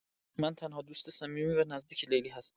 من تنها دوست صمیمی و نزدیک لیلی هستم.